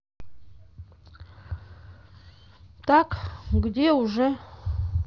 так где уже